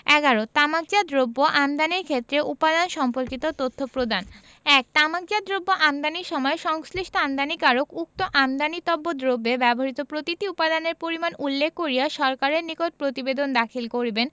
১১ তামাকজাত দ্রব্য আমদানির ক্ষেত্রে উপাদান সম্পর্কিত তথ্য প্রদানঃ ১ তামাকজাত দ্রব্য আমদানির সময় সংশ্লিষ্ট আমদানিকারক উক্ত আমদানিতব্য দ্রব্যে ব্যবহৃত প্রতিটি উপাদানের পরিমাণ উল্লেখ করিয়া সরকারের নিকট প্রতিবেদন দাখিল করিবেন